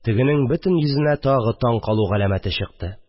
Тегенең бөтен йөзенә тагы таң калу галәмәте чыкты